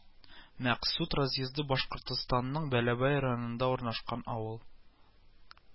Мәкъсүт разъезды Башкортстанның Бәләбәй районында урнашкан авыл